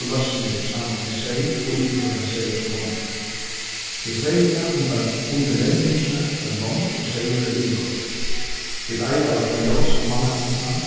og loysnir í sambandi við seyð og yvirkoyrdan seyð hjá honum tað er serliga undir lembingini at lomb og seyðir verða yvirkoyrd vit eiga at varpa ljós á mannagongdina